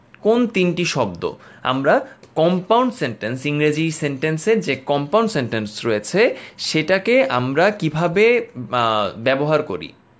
কোন তিনটি শব্দ আমরা কম্পাউন্ড সেন্টেন্স ইংরেজি সেন্টেন্সে যে কম্পাউন্ড সেন্টেন্স রয়েছে সেটাকে আমরা কিভাবে ব্যবহার করি